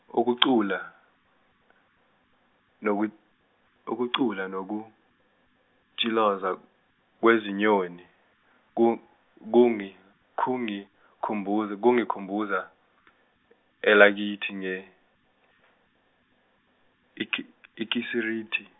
ukucula, noku- ukucula nokutshiloza, kwezinyoni kung- kungi- kungikhumbuza kungikhumbuza, elakithi nge Iki- Ikisiriti.